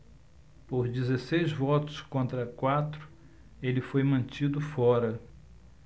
por dezesseis votos contra quatro ele foi mantido fora